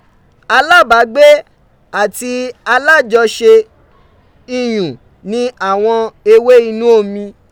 Alábàágbé àti alájọṣe iyùn ni àwọn ewé inú omi.